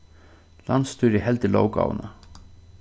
landsstýrið heldur lóggávuna